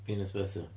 Peanut Butter.